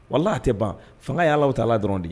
Wala a tɛ ban fanga yala tɛ ala dɔrɔn de ye